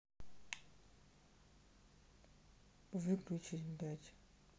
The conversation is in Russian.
выключись блять